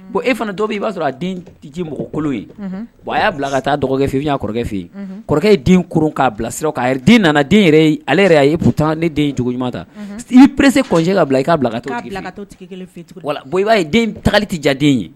Ko e fana dɔ b' i b'a sɔrɔ a denji mɔgɔ kolo ye wa y'a bila ka taa kɔrɔkɛ n y'a kɔrɔkɛ fɛ kɔrɔkɛ den k'a bilasira'a yɛrɛ den nana den yɛrɛ ale a ye ne den cogo ɲuman ta i perese kɔsi ka bila i k'a bila ka i b'a ye den tali tɛ jaden ye